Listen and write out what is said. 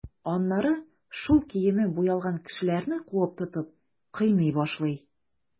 Аннары шул киеме буялган кешеләрне куып тотып, кыйный башлый.